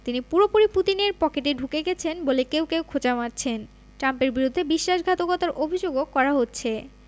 তিনি পুরোপুরি পুতিনের পকেটে ঢুকে গেছেন বলে কেউ কেউ খোঁচা মারছেন ট্রাম্পের বিরুদ্ধে বিশ্বাসঘাতকতার অভিযোগও করা হচ্ছে